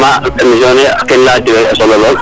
I vraiment émission ken laya jega solo lool ,